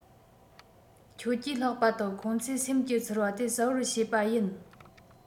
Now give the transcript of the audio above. ཁྱོད ཀྱིས ལྷག པ དུ ཁོང ཚོས སེམས ཀྱི ཚོར བ དེ གསལ པོར ཤེས པ ཡིན